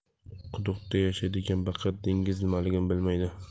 quduqda yashaydigan baqa dengiz nimaligini bilmaydi